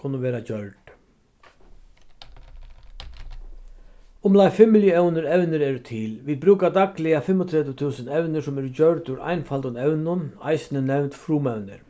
kunnu verða gjørd umleið fimm milliónir evni eru til vit brúka dagliga fimmogtretivu túsund evni sum eru gjørd úr einfaldum evnum eisini nevnd frumevnir